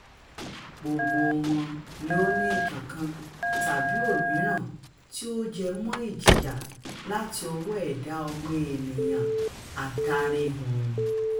Gbogbo wọn ni ó ní ìtàn kan tàbí òmíràn tí ó jẹ mọ́ ìjìyà láti ọwọ́ ẹ̀dá ọmọ ènìyàn adáríhununrun.